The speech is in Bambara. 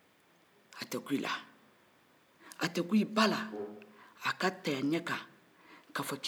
a tɛ kun i ba la a ka t'a ɲɛ kan ka fɔ k'i bugɔra